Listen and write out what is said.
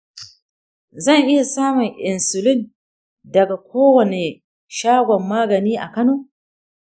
zan iya samun insulin daga kowani shagon magani a kano?